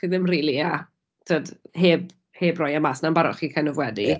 Chi ddim rili â... timod heb heb roi e mas 'na yn barod, chi kind of wedi... ia.